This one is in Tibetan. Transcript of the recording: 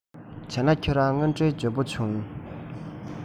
བྱས ན ཁྱེད རང དངོས འབྲེལ འཇོན པོ བྱུང